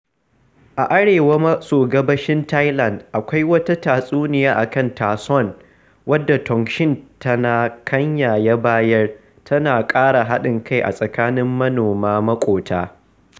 A arewa maso gabashin Thailand, akwai wata tatsuniya a kan Ta Sorn wadda Tongsin Tanakanya ya bayar, tana ƙara haɗin kai a tsakanin manoma maƙota.